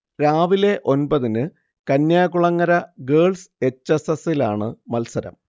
രാവിലെ ഒന്‍പതിന് Kanyakulangara girls H S എസിലാണ് മത്സരം